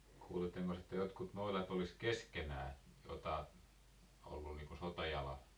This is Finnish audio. kuulittekos että jotkut noidat olisi keskenään jotakin ollut niin kuin sotajalalla